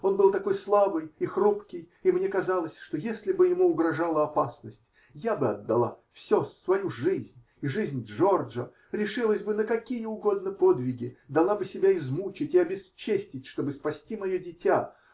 Он был такой слабый и хрупкий, и мне казалось, что если бы ему угрожала опасность, я бы отдала все, свою жизнь и жизнь Джорджо, решилась бы на какие угодно подвиги, дала бы себя измучить и обесчестить, чтобы спасти мое дитя.